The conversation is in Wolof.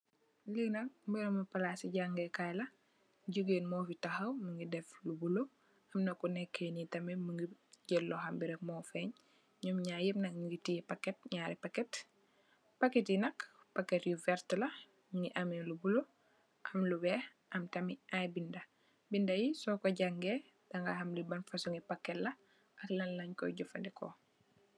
Lee nak meremu plase jagekay la jegain mufe tahaw muge def lu bulo amna ku neke nee tamin muge jel lohom be rek mu feng num nyarr yep nuge teye packete nyari packet packete nak packet yu verte la muge ameh lu bulo am lu weex am tamin aye beda beda ye soku jange daga ham le ban fosunge packet la ak lanlenkoye jufaneku.